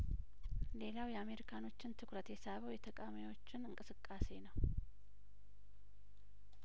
ሌላው የአሜሪካኖችን ትኩረት የሳበው የተቃዋሚዎችን እንቅስቃሴ ነው